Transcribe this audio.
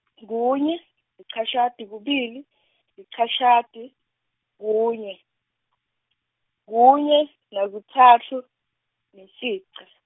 kunye lichashati kubili lichashati kunye, kunye nakutsatfu nemfica.